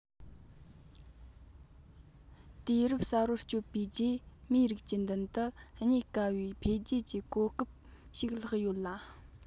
དུས རབས གསར པར བསྐྱོད པའི རྗེས མིའི རིགས ཀྱི མདུན དུ རྙེད དཀའ བའི འཕེལ རྒྱས ཀྱི གོ སྐབས ཤིག ལྷགས ཡོད ལ